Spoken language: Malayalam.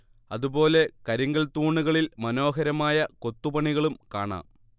അതുപോലെ കരിങ്കൽ തൂണുകളിൽ മനോഹരമായ കൊത്തുപണികളും കാണാം